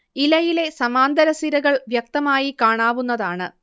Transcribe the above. ഇലയിലെ സമാന്തര സിരകൾ വ്യക്തമായി കാണാവുന്നതാണ്